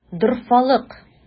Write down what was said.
Дорфалык!